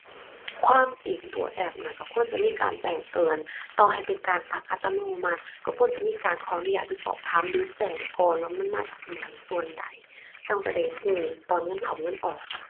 ความจริงตัวแอปน่ะก็ควรจะมีการแจ้งเตือนต่อให้เป็นการตัดอัตโนมัติก็ควรจะมีการขออนุญาตหรือสอบถามหรือแจ้งก่อนว่ามันมาจากอิหยังส่วนใด จั่งจะได้ก็ตอนเงินเข้าเงินออก